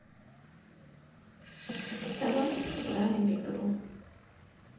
давай сыграем в игру